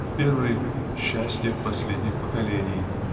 в первой -- счастье последних поколений